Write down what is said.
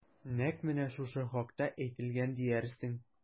Нәкъ менә шушы хакта әйтелгән диярсең...